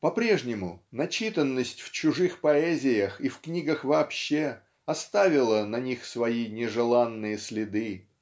по прежнему начитанность в чужих поэзиях и в книгах вообще оставила на них свои нежеланные следы